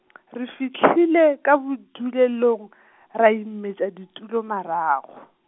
re fihlile ka bodulelong , ra imetša ditulo marago.